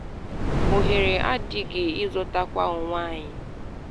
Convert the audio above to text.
“Oghere adịghị ịzọtakwa onwe anyị.